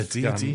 Ydi ydi.